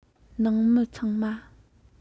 ནང མི ཚང མ